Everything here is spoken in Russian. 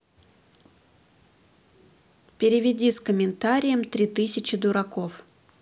переведи с комментарием три тысячи дураков